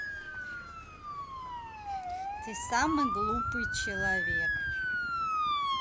ты самый глупый человек